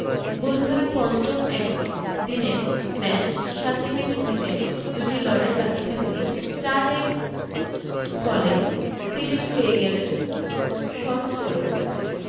বুধবার পঞ্চম এক দিনের ম্যাচ সাত উইকেটে জিতে দুটি লড়াই বাকী থাকতেই চার এক ফলে সিরিজ পেয়ে গেলেন শন পোলকরা